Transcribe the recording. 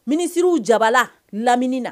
Minisiriw jabala lamini na